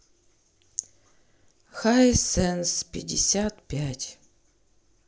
хай сенс пятьдесят пять